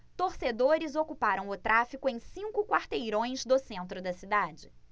torcedores ocuparam o tráfego em cinco quarteirões do centro da cidade